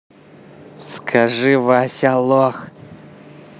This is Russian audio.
скажи вася лох